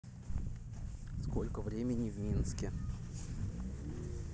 сколько времени в минске